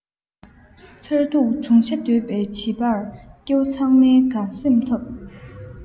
མཚར སྡུག གྲུང ཤ དོད པའི བྱིས པར སྐྱེ བོ ཚང མའི དགའ སེམས ཐོབ